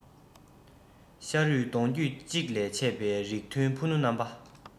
ཤ རུས གདོང རྒྱུད གཅིག ལས ཆད པའི རིགས མཐུན ཕུ ནུ རྣམས པ